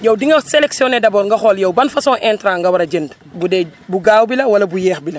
yow di nga sellectionné ne d' abord nga xool yow ban façon intrant nga war a jënd bu dee bu gaaw bi la wala bu yéex bi la